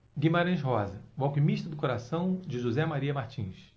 guimarães rosa o alquimista do coração de josé maria martins